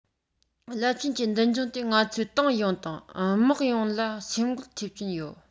རླབས ཆེན གྱི མདུན ལྗོངས དེས ང ཚོའི ཏང ཡོངས དང དམག ཡོངས ལ སེམས འགུལ ཐེབས ཀྱི ཡོད